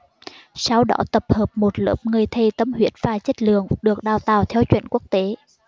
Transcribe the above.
sau đó tập hợp một lớp người thầy tâm huyết và chất lượng được đào tạo theo chuẩn quốc tế